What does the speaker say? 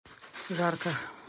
жарка